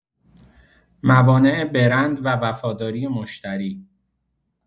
موانع برند و وفاداری مشتری